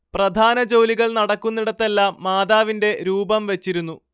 പ്രധാന ജോലികൾ നടക്കുന്നിടത്തെല്ലാം മാതാവിന്റെ രൂപം വച്ചിരുന്നു